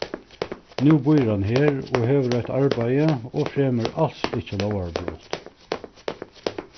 nú býr hann her og hevur eitt arbeiði og fremur als ikki lógarbrot